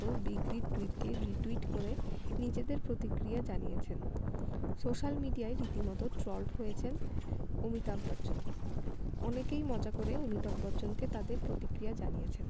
big বির টুইটকে retweet করে নিজেদের প্রতিক্রিয়া জানিয়েছেন সোশ্যাল মিডিয়ায় রীতিমতো ট্রোলড হয়েছেন অমিতাভ বচ্চন অনেকেই মজা করে অমিতাভ বচ্চনকে তাদের প্রতিক্রিয়া জানিয়েছেন